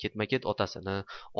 ketma ket otasini